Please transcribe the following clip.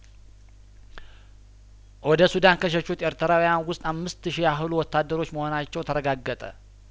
ወደ ሱዳን ከሸሹት ኤርትራውያን ውስጥ አምስት ሺ ያህሉ ወታደሮች መሆናቸው ተረጋገጠ